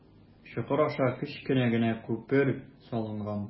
Чокыр аша кечкенә генә күпер салынган.